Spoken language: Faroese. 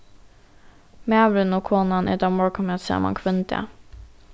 maðurin og konan eta morgunmat saman hvønn dag